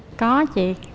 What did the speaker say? có chị